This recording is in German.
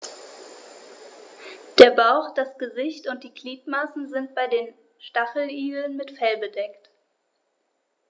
Der Bauch, das Gesicht und die Gliedmaßen sind bei den Stacheligeln mit Fell bedeckt.